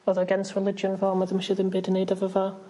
o'dd o against religion fo a ma' ddim isio ddim byd i neud efo fo.